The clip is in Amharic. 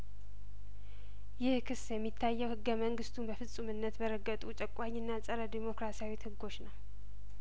ይህ ክስ የሚታየው ህገ መንግስቱን በፍጹምነት በረገጡ ጨቋኝና ጸረ ዲሞክራሲያዊት ህጐች ነው